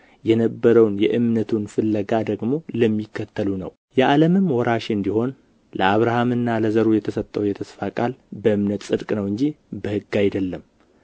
የነበረውን የእምነቱን ፍለጋ ደግሞ ለሚከተሉ ነው የዓለምም ወራሽ እንዲሆን ለአብርሃምና ለዘሩ የተሰጠው የተስፋ ቃል በእምነት ጽድቅ ነው እንጂ በሕግ አይደለም